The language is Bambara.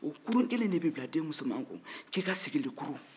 o kurun kelen in de bɛ bila den musoman ku k'i ka sigili kurun